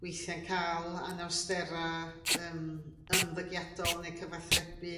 weithia'n ca'l anawstera yym ymddygiadol ne' cyfathrebu